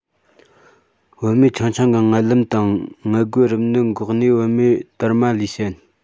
བུད མེད ཆུང ཆུང གི མངལ ལམ དང མངལ སྒོའི རིམས ནད འགོག ནུས བུད མེད དར མ ལས ཞན